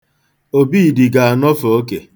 Obidi ga-anọfe oke.